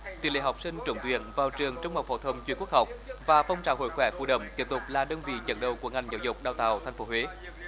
tỷ lệ học sinh trúng tuyển vào trường trung học phổ thông chuyên quốc học và phong trào hội khỏe phù đổng tiếp tục là đơn vị dẫn đầu của ngành giáo dục đào tạo thành phố huế